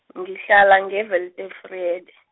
ngihlala nge- Weltevrede.